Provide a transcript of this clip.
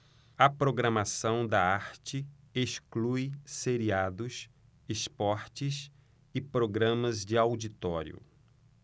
a programação da arte exclui seriados esportes e programas de auditório